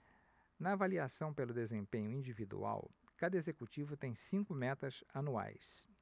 na avaliação pelo desempenho individual cada executivo tem cinco metas anuais